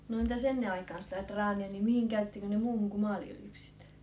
no entäs ennen aikaan sitä traania niin mihin käyttikö ne muuhun kuin maaliöljyksi sitä